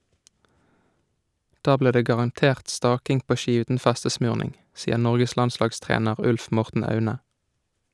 Da blir det garantert staking på ski uten festesmurning , sier Norges landslagstrener Ulf Morten Aune.